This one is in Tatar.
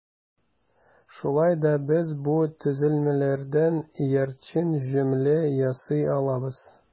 Шулай да без бу төзелмәләрдән иярчен җөмлә ясый алабыз.